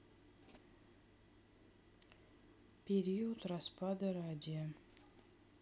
период распада радия